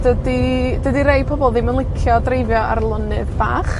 dydi, dydi rhei pobol ddim yn licio dreifio ar lonydd bach.